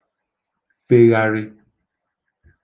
fègharị